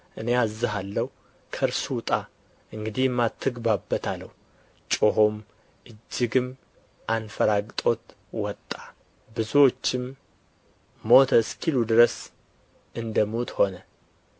እኔ አዝሃለሁ ከእርሱ ውጣ እንግዲህም አትግባበት አለው ጮኾም እጅግም አንፈራግጦት ወጣ ብዙዎችም ሞተ እስኪሉ ድረስ እንደ ሙት ሆነ